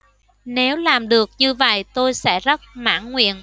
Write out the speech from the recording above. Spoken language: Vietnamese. nếu làm được như vậy tôi sẽ rất mãn nguyện